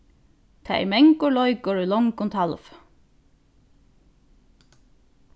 tað er mangur leikur í longum talvi